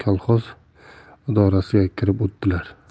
kolxoz idorasiga kirib o'tdilar